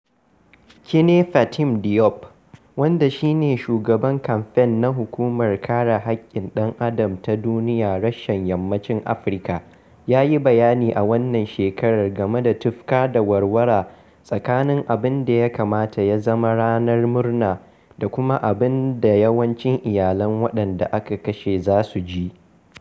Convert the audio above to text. Kine-Fatim Diop, wanda shi ne shugaban kamfen na hukumar kare haƙƙin ɗan'adam ta duniya reshen Yammacin Afirka, ya yi bayani a wannan shekarar game da tufka-da-warwara tsakanin abin da ya kamata ya zama ranar murna da kuma abin da yawancin iyalan waɗanda aka kashe za su ji: